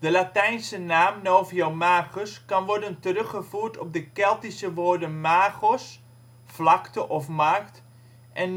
latijnse naam Noviomagus kan worden teruggevoerd op de Keltische woorden magos (' vlakte ' of ' markt ') en